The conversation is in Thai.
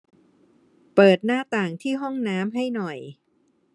เปิดหน้าต่างที่ห้องน้ำให้หน่อย